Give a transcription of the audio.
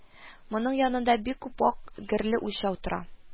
Моның янында бик күп вак герле үлчәү тора